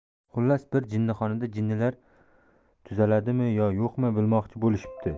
xullas bir jinnixonada jinnilar tuzaladimi yo yo'qmi bilmoqchi bo'lishibdi